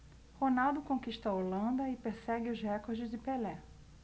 ronaldo conquista a holanda e persegue os recordes de pelé